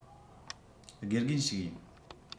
དགེ རྒན ཞིག ཡིན